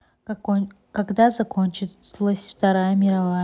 когда закончилась вторая мировая